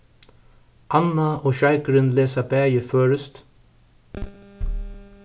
anna og sjeikurin lesa bæði føroyskt